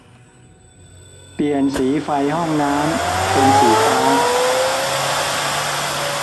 เปลี่ยนสีไฟห้องน้ำเป็นสีฟ้า